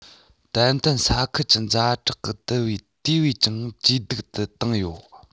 ཏན ཏན ས ཁུལ གྱི ཛ དྲག གི དུས བབ དེ བས ཀྱང ཇེ སྡུག ཏུ བཏང ཡོད